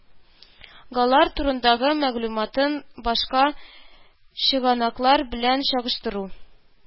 Галар турындагы мәгълүматын башка чыганаклар белән чагыштыру